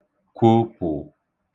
kwōpụ̀